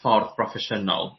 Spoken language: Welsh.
ffordd broffesiynol